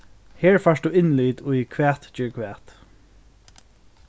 her fært tú innlit í hvat ger hvat